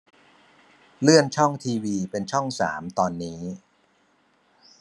เลื่อนช่องทีวีเป็นช่องสามตอนนี้